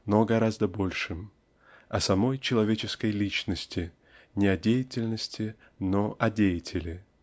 но о гораздо большем -- о самой человеческой личности не о деятельности но о деятеле.